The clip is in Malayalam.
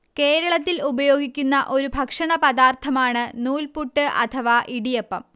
കേരളത്തിൽ ഉപയോഗിക്കുന്ന ഒരു ഭക്ഷണപദാർത്ഥമാണ് നൂൽപുട്ട് അഥവാ ഇടിയപ്പം